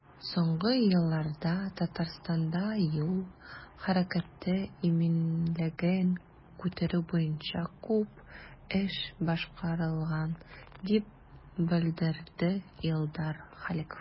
Соңгы елларда Татарстанда юл хәрәкәте иминлеген күтәрү буенча күп эш башкарылган, дип белдерде Илдар Халиков.